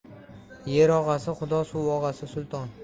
yer og'asi xudo suv og'asi sulton